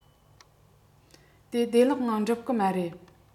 དེ བདེ ལག ངང འགྲུབ གི མ རེད